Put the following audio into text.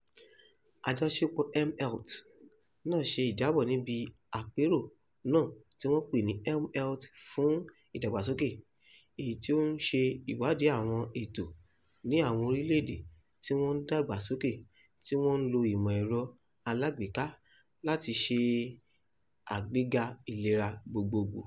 Àjọṣepọ̀ mHealth náà ṣe ìjábọ̀ níbi àpérò náà tí wọ́n pè ní mHealth fún Ìdàgbàsókè, èyí tí ó ń ṣe ìwádìí àwọn ètò ní àwọn orílẹ̀ èdè tí wọ́n ń dàgbà sókè tí wọ́n ń lo ìmọ̀ ẹ̀rọ alágbèéká láti ṣe àgbéga ìlera gbogbogbò.